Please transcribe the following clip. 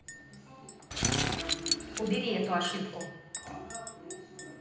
убери эту ошибку